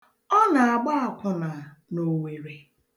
Ọ na-agba akwụna n'Owere.